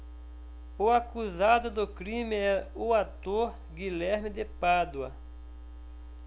o acusado do crime é o ator guilherme de pádua